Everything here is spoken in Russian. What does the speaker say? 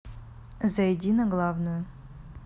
зайти на главную